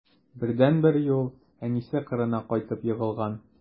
Бердәнбер юл: әнисе кырына кайтып егылган.